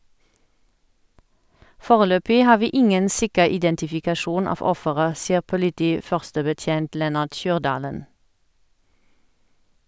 Foreløpig har vi ingen sikker identifikasjon av offeret, sier politiførstebetjent Lennart Kyrdalen.